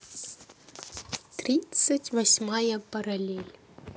тридцать восьмая параллель